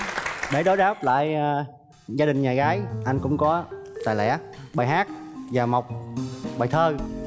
để đối đáp lại gia đình nhà gái anh cũng có tài lẻ bài hát và một bài thơ